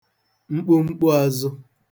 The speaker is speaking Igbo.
mkpumkpuàzụ